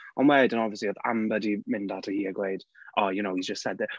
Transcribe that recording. Ond wedyn obviously oedd Amber 'di mynd ato hi a gweud "oh you know, he's just said this".